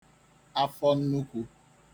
afọ nnukwu